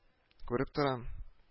Күреп торам